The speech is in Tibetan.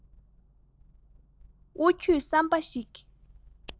དབུ ཁྱུད གསར པ ཞིག